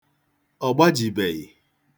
Ọ gbajibeghị